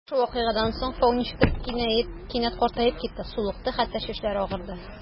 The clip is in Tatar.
Шушы вакыйгадан соң Фау ничектер кинәт картаеп китте: сулыкты, хәтта чәчләре агарды.